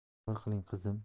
sabr qiling qizim